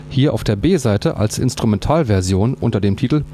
Hier auf der B-Seite als Instrumental-Version unter dem Titel